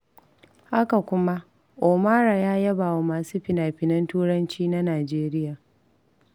Haka kuma, Omarah ya yaba wa masu finafinan Turanci na Nijeriya.